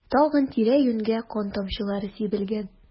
Тагын тирә-юньгә кан тамчылары сибелгән.